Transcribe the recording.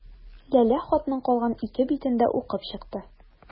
Ләлә хатның калган ике битен дә укып чыкты.